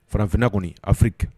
Farafinna kɔni afiri